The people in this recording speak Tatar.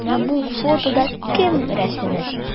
Менә бу фотода кем рәсеме?